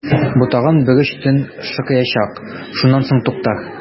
Бу тагын бер өч төн шакыячак, шуннан соң туктар!